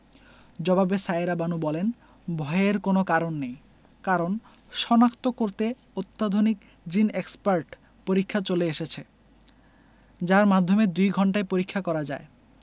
জবাবে সায়েরা বানু বলেন ভয়ের কোনো কারণ নেই কারণ শনাক্ত করতে অত্যাধুনিক জিন এক্সপার্ট পরীক্ষা চলে এসেছে যার মাধ্যমে দুই ঘণ্টায় পরীক্ষা করা যায়